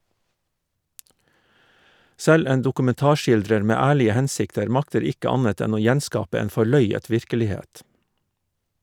Selv en dokumentarskildrer med ærlige hensikter makter ikke annet enn å gjenskape en forløyet virkelighet.